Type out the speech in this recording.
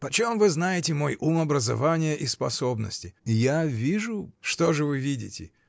— Почем вы знаете мой ум, образование и способности? — Я вижу. — Что же вы видите?